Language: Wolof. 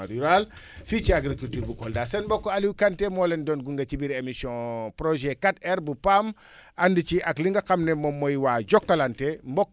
seen mbokk Aliou Kante moo leen doon gunge ci biir émission projet 4R bu PAM ànd aci ak ki nga xam ne moom mooy waa Jokalante mbokk yi jërë ngeen jëf ba yeneen jamono wa salaam